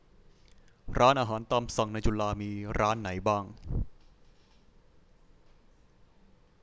ร้านอาหารตามสั่งในจุฬามีร้านไหนบ้าง